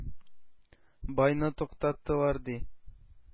Байны туктаттылар, ди.